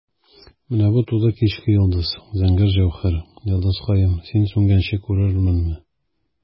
Менә туды кичке йолдыз, зәңгәр җәүһәр, йолдызкаем, син сүнгәнче күрерменме?